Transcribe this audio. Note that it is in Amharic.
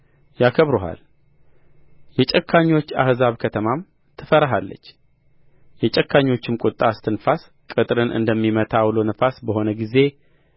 ያከብሩሃል የጨካኞች አሕዛብ ከተማም ትፈራሃለች የጨካኞችም ቍጣ እስትንፋስ ቅጥርን እንደሚመታ ዐውሎ ነፋስ በሆነ ጊዜ